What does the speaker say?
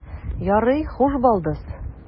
Ярый, хуш, балдыз.